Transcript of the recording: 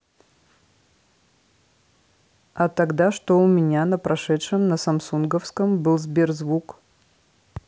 а тогда что у меня на прошедшем на самсунговском был сбер звук